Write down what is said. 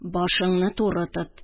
Башыңны туры тот!